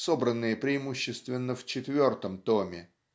собранные преимущественно в четвертом томе.